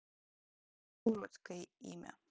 джой что за уродское имя